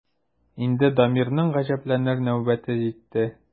Инде Дамирның гаҗәпләнер нәүбәте җитте.